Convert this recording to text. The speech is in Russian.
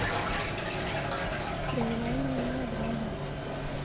криминальные мелодрамы